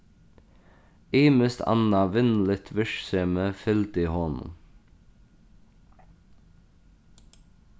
ymiskt annað vinnuligt virksemi fylgdi honum